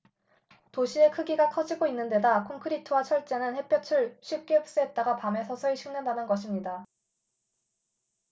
도시의 크기가 커지고 있는 데다 콘크리트와 철재는 햇볕을 쉽게 흡수했다가 밤에 서서히 식는다는 것입니다